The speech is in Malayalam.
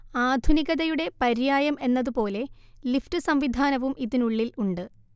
ആധുനികതയുടെ പര്യായം എന്നതുപോലെ ലിഫ്റ്റ് സംവിധാനവും ഇതിനുള്ളിൽ ഉണ്ട്